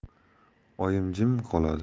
oyim jim qoladi